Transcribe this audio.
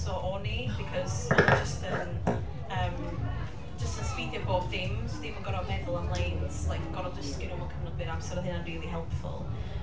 So o'n i because ma' jyst yn yym, jyst yn speedio bob dim. So ddim gorfod meddwl am leins, like gorfod dysgu nhw mewn cyfnod byr o amser, oedd hynna'n rili helpful.